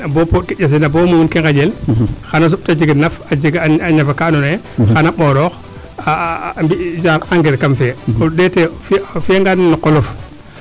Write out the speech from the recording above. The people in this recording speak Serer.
bo pooɗ ke njaseena bo mumeen ke ŋanjel xana soɓ te jeg a naf a jega nafa kaa ando naye xana ɓoroox a mbi genre engrais kam fee kam fee o ndeete o fiya ngaan no qolof